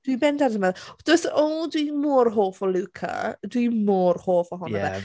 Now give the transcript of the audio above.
Dwi'n bendant yn me-... Does o dwi mor hoff o Luca. Dwi mor hoff... ie ...ohono fe.